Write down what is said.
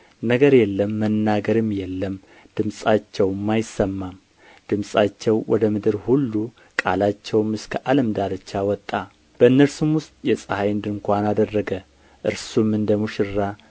ነገር የለም መናገርም የለም ድምፃቸውም አይሰማም ድምፃቸው ወደ ምድር ሁሉ ቃላቸውም እስከ ዓለም ዳርቻ ወጣ በእነርሱም ውስጥ የፀሐይን ድንኳን አደረገ እርሱም እንደ ሙሽራ